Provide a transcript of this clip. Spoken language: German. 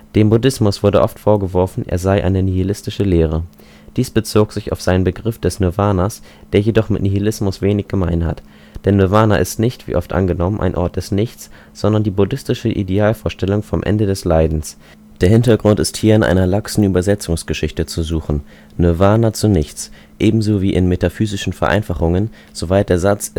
Dem Buddhismus wurde oft vorgeworfen, er sei eine nihilistische Lehre. Dies bezog sich auf seinen Begriff des Nirwanas, der jedoch mit Nihilismus wenig gemein hat, denn Nirwana ist nicht, wie oft angenommen, ein Ort des Nichts, sondern die buddhistische Idealvorstellung vom Ende des Leidens. Der Hintergrund ist hier in einer laxen Übersetzungsgeschichte zu suchen („ Nirwana “zu „ Nichts “), ebenso wie in metaphysischen Vereinfachungen, soweit der Satz